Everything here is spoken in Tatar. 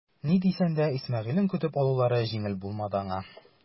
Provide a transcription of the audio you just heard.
Ни дисәң дә Исмәгыйлен көтеп алулары җиңел булмады аңа.